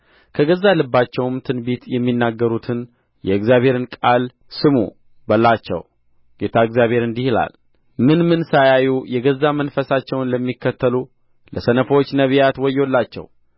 ከገዛ ልባቸውም ትንቢት የሚናገሩትን የእግዚአብሔርን ቃል ስሙ በላቸው ጌታ እግዚአብሔር እንዲህ ይላል ምንምን ሳያዩ የገዛ መንፈሳቸውን ለሚከተሉ ለሰነፎች ነቢያት ወዮላቸው